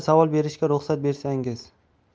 savol berishga ruxsat bersangiz